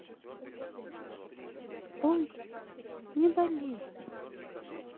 лунтик не болей